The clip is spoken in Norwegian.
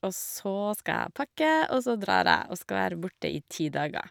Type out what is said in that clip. Og så skal jeg pakke, og så drar jeg og skal være borte i ti dager.